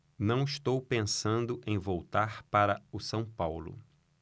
não estou pensando em voltar para o são paulo